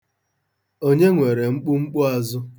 Onye nwere mkpumkpuazụ?